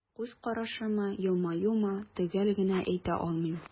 Күз карашымы, елмаюмы – төгәл генә әйтә алмыйм.